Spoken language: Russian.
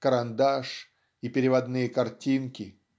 карандаш и переводные картинки.